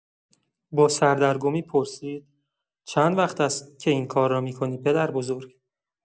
با سردرگمی پرسید: «چند وقت است که این کار را می‌کنی پدربزرگ؟»